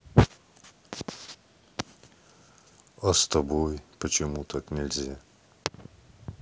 а с тобой почему так нельзя